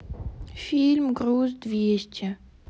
фильм груз двести